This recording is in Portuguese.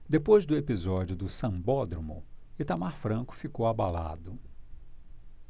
depois do episódio do sambódromo itamar franco ficou abalado